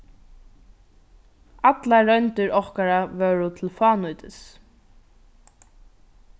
allar royndir okkara vóru til fánýtis